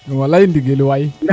walay ndingil waay